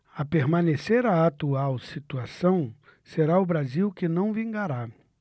a permanecer a atual situação será o brasil que não vingará